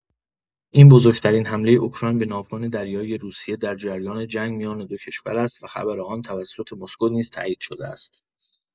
این بزرگ‌ترین حمله اوکراین به ناوگان دریایی روسیه در جریان جنگ میان دو کشور است و خبر آن توسط مسکو نیز تایید شده است.